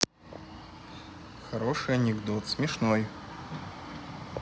хороший анекдот смешной